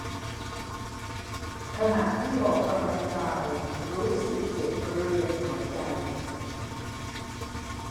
ขณะที่ออกกำลังกายรู้สึกเจ็บบริเวณหัวใจ